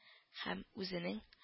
Һәм үзенең